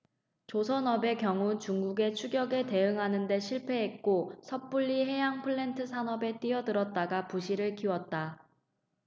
조선업의 경우 중국의 추격에 대응하는 데 실패했고 섣불리 해양플랜트 산업에 뛰어들었다가 부실을 키웠다